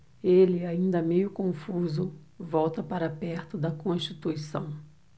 ele ainda meio confuso volta para perto de constituição